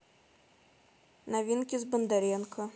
новинки с бондаренко